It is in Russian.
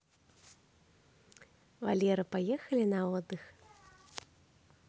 валера поехали на отдых